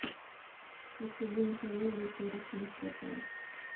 этот день победы порохом пропал